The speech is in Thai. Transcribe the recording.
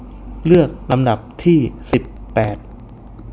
เลือกลำดับที่สิบแปด